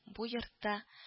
– бу йортта